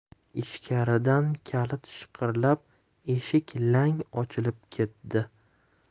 ichkaridan kalit shiqirlab eshik lang ochilib ketdi